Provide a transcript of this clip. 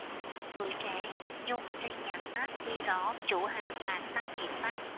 tuổi trẻ nhưng trên nhãn mác ghi rõ chủ hàng là tân hiệp phát